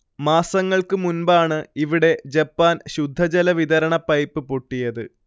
മാസങ്ങൾക്കു മുൻപാണ് ഇവിടെ ജപ്പാൻ ശുദ്ധജല വിതരണ പൈപ്പ് പൊട്ടിയത്